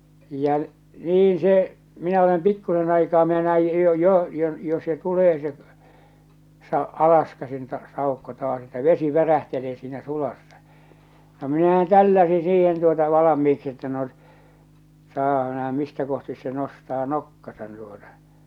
ja niin se minä olen pikkuisen aikaa minä näin jo jo jo jo se tulee se - alaskäsin - saukko taas että vesi värähtelee siinä sulassa no minähän tälläsin siihen tuota valmiiksi että no saapa nähdä mistä kohti se nostaa nokkansa tuota